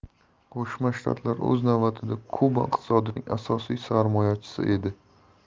qo'shma shtatlar o'z navbatida kuba iqtisodiyotining asosiy sarmoyachisi edi